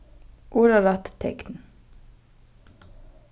orðarætt tekn